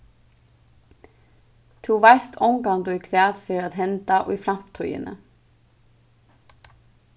tú veitst ongantíð hvat fer at henda í framtíðini